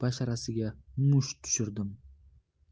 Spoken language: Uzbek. basharasiga musht tushirdim